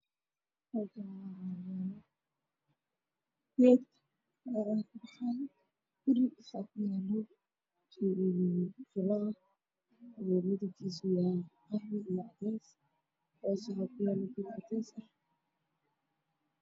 Waa guryo waxaa ii muuqda masaajid minaaradiisa iyo geeda tallaan oo dhaadheer oo cagaaran